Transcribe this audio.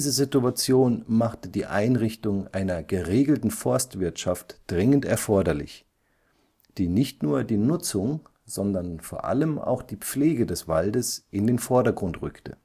Situation machte die Einrichtung einer geregelten Forstwirtschaft dringend erforderlich, die nicht nur die Nutzung sondern vor allem auch die Pflege des Waldes in den Vordergrund rückte